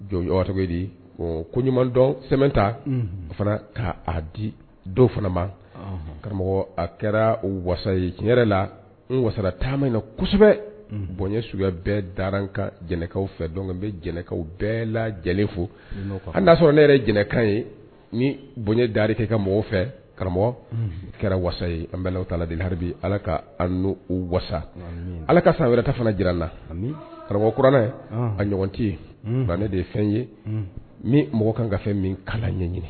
Jɔntodi ko ɲuman dɔn sɛ ta o fana k' di dɔw fana ma karamɔgɔ a kɛra wa ye tiɲɛ yɛrɛ la n wasa taama in na kosɛbɛ bonya sugubɛ bɛɛ da an ka jɛnɛkaw fɛ dɔn bɛ jɛnɛkaw bɛɛ la lajɛlen fo an'a sɔrɔ ne yɛrɛ jɛnɛkan ye ni bonya dari kɛ ka mɔgɔw fɛ karamɔgɔ kɛra wasa ye an bɛla ta habi ala k' an n' wasa ala ka san wɛrɛta fana jira n na karamɔgɔ kuranɛ a ɲɔgɔn tɛ yen ne de ye fɛn ye ni mɔgɔ kan ka fɛn min kalan ɲɛɲini